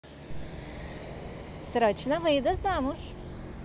срочно выйду замуж